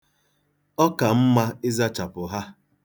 Ọ ka mma ịzachapụ ha.